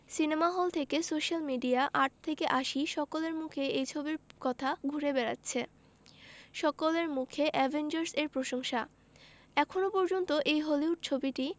cinema hall থেকে social media আট থেকে আশি সকলের মুখেই এই ছবির কথা ঘুরে বেড়াচ্ছে সকলের মুখে অ্যাভেঞ্জার্স এর প্রশংসা এখনও পর্যন্ত এই হলিউড ছবিটি